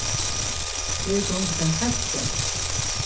her gongur bara heilt væl